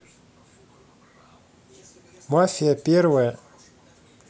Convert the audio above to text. мафия первая